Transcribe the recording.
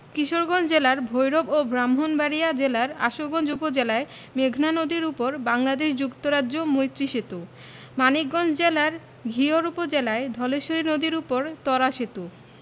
কিশোরগঞ্জ জেলার ভৈরব ও ব্রাহ্মণবাড়িয়া জেলার আশুগঞ্জ উপজেলায় মেঘনা নদীর উপর বাংলাদেশ যুক্তরাজ্য মৈত্রী সেতু মানিকগঞ্জ জেলার ঘিওর উপজেলায় ধলেশ্বরী নদীর উপর ত্বরা সেতু